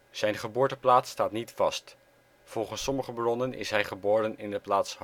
Zijn geboorteplaats staat niet vast; volgens sommige bronnen is hij geboren in de plaats